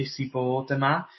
hapus i fod yma